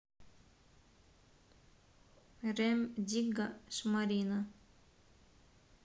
рем дигга шмарина